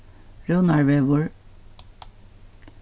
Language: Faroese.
rúnarvegur